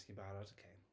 Ti'n barod, ok.